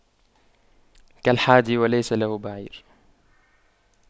كالحادي وليس له بعير